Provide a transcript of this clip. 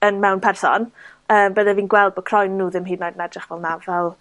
yn mewn person bydde fi'n gweld bo' croen nw ddim hyd yn oed yn edrych fel 'na fel.